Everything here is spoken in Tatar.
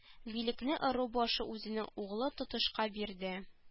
Билекне ыру башы үзенең углы тотышка бирде